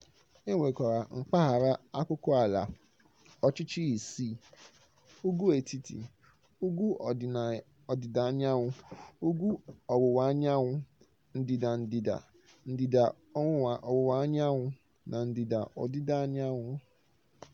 E nwekwara mpaghara akụkụ ala ọchịchị isii : Ugwu Etiti, Ugwu Ọdịdaanyanwụ, Ugwu Ọwụwaanyanwụ, Ndịda Ndịda, Ndịda Ọwụwaanyanwụ, na Ndịda Ọdịdaanyanwụ.